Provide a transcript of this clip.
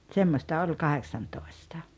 semmoista oli kahdeksantoista